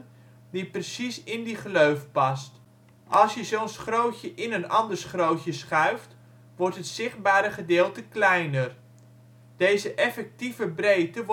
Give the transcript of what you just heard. precies in die gleuf past. Als je zo 'n schrootje in een andere schrootje schuift, wordt het zichtbare gedeelte kleiner. Deze „ effectieve breedte